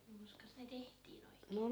no koskas ne tehtiin oikein